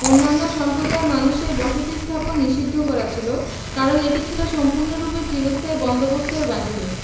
অন্যান্য সম্প্রদায়ের মানুষের বসতী স্থাপন নিষিধ্ধ করা ছিল কারণ এটি ছিল সম্পূর্ণরূপে চিরস্থায়ী বন্দোবস্তের বাহিরে